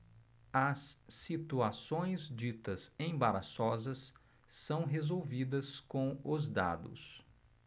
as situações ditas embaraçosas são resolvidas com os dados